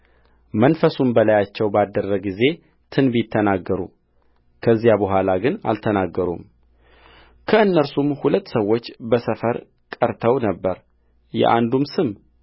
መንፈሱም በላያቸው ባደረ ጊዜ ትንቢት ተናገሩ ከዚያ በኋል ግን አልተናገሩምከእነርሱም ሁለት ሰዎች በሰፈር ቀርተው ነበር የአንዱም ስም